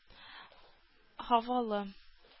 Һавалы